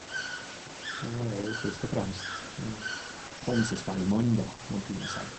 Og jeg er jo først og fremst dansespellmann, da, må en kunne si.